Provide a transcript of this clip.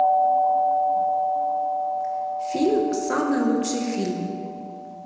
фильм самый лучший фильм